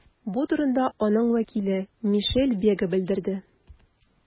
Бу турыда аның вәкиле Мишель Бега белдерде.